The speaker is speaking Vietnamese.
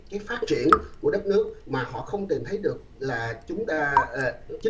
cái phát triển của đất nước mà họ không tìm thấy được rằng chúng ta chính phủ